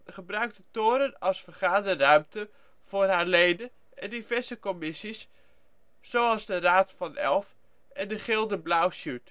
gebruikt de toren als vergaderruimte voor haar leden en diverse commissies, zoals de Raad van Elf en het Gilde Blauw Sjuut